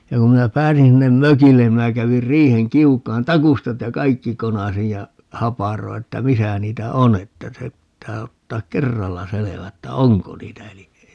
ja kun minä pääsin sinne mökille niin minä kävin riihen kiukaan taustat ja kaikki konasin ja haparoin että missä niitä on - että se pitää ottaa kerralla selvä että onko niitä eli ei